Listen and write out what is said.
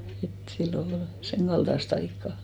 että silloin oli senkaltaista aikaa